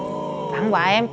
tặng quà em